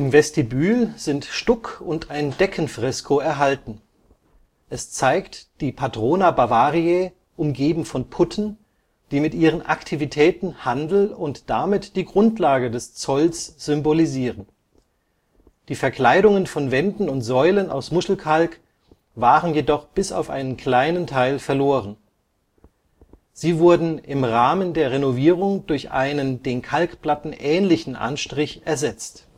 Vestibül sind Stuck und ein Deckenfresko erhalten. Es zeigt die Patrona Bavariae umgeben von Putten, die mit ihren Aktivitäten Handel und damit die Grundlage des Zolls symbolisieren. Die Verkleidungen von Wänden und Säulen aus Muschelkalk waren jedoch bis auf einen kleinen Teil verloren. Sie wurden im Rahmen der Renovierung durch einen den Kalkplatten ähnlichen Anstrich ersetzt